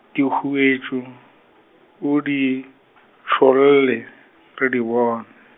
dihuetšo, o di , tšholle, re di bone.